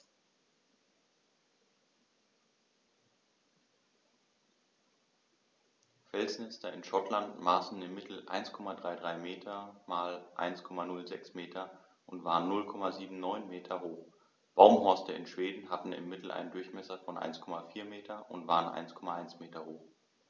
Felsnester in Schottland maßen im Mittel 1,33 m x 1,06 m und waren 0,79 m hoch, Baumhorste in Schweden hatten im Mittel einen Durchmesser von 1,4 m und waren 1,1 m hoch.